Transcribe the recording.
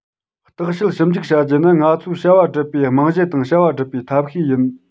བརྟག དཔྱད ཞིབ འཇུག བྱ རྒྱུ ནི ང ཚོའི བྱ བ སྒྲུབ པའི རྨང གཞི དང བྱ བ སྒྲུབ པའི ཐབས ཤེས ཡིན